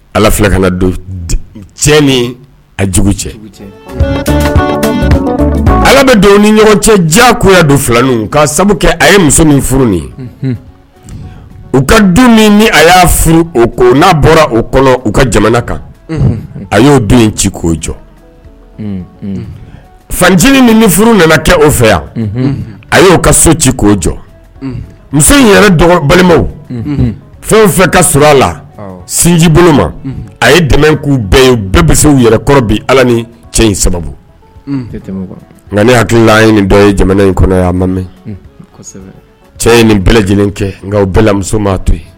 Ala fila ka cɛ ni ajugu cɛ ala bɛ don ni ɲɔgɔn cɛ ja koya don filanin ka sabu kɛ a ye muso furu u ka du min ni a y'a furu o ko n'a bɔra o kɔnɔ u ka jamana kan a y'o don ci k'o jɔ fancinin ni ni furu nana kɛ o fɛ yan a y'o ka so ci k'o jɔ muso in yɛrɛ balimaw fɛn fɛn ka su a la sinji bolo ma a ye dɛmɛ k'u bɛɛ ye bɛɛ bisimilaw yɛrɛkɔrɔ bɛ ala ni cɛ in sababu nka ne hakili ye nin dɔgɔ ye jamana in kɔnɔ a ma mɛ cɛ nin bɛɛ lajɛlen kɛ nka bɛɛlamusoma to ye